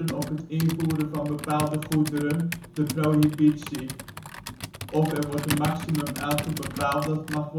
op het invoeren van bepaalde goederen, de prohibitie. Of wordt er een maximumaantal bepaald dat mag